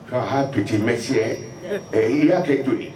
Ka ha bimɛsi''a kɛ to yen